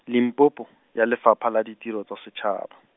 Limpopo, ya Lefapha la Ditiro tsa Setšhaba.